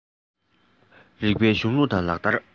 རིགས པའི གཞུང ལུགས དང ལག ལེན